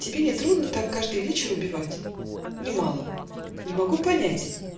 и тебе не трудно Там каждый вечер убивать?" - Нимало. - "Не могу понять.